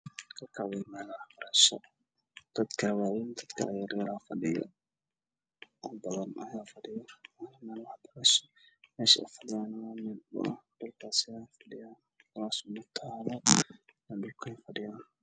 Waa arday oo fadhiyaan meel fanaan ah waxa ay qaadanayaan cashar waana sawir waqtigii dowladda kacaanka ah